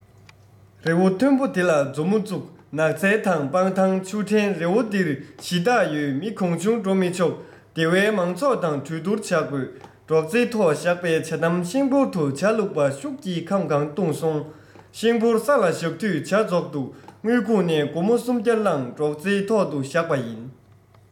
རི བོ མཐོན པོ དེ ལ མཛུབ མོ བཙུགས ནགས ཚལ དང སྤང ཐང ཆུ ཕྲན རི བོ འདིར གཞི བདག ཡོད མི གང བྱུང འགྲོ མི ཆོག སྡེ བའི མང ཚོགས དང གྲོས བསྡུར བྱ དགོས སྒྲོག ཙེའི ཐོག བཞག པའི ཇ དམ ཤིང ཕོར དུ ཇ བླུགས པ ཤུགས ཀྱིས ཁམ གང བཏུངས སོང ཤིང ཕོར ས ལ བཞག དུས ཇ རྫོགས འདུག དངུལ ཁུག ནས སྒོར མོ གསུམ བརྒྱ བླངས སྒྲོག ཙེའི ཐོག ཏུ བཞག པ ཡིན